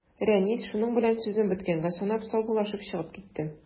Рәнис, шуның белән сүзне беткәнгә санап, саубуллашып чыгып китте.